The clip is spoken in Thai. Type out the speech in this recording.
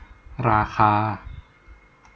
ราคา